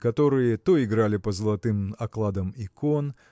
которые то играли по золотым окладам икон